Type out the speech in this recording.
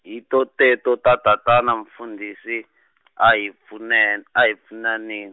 hi toteto ta tatana Mufundhisi , a hi pfune- a hi pfunaneni.